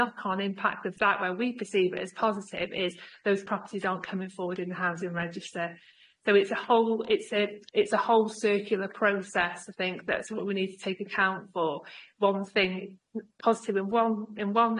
knock-on impact of that where we perceive it as positive is those properties aren't coming forward in the housing register so it's a whole it's a it's a whole circular process I think that's what we need to take account for one thing n- positive in one in one